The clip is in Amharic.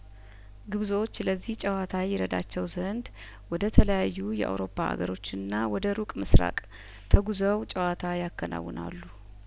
ግብዞች ለዚህ ጨዋታ ይረዳቸው ዘንድ ወደ ተለያዩ የአውሮፓ ሀገሮችና ወደ ሩቅ ምስራቅ ተጉዘው ጨዋታ ያከናውናሉ